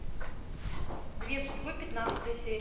две судьбы пятнадцатая серия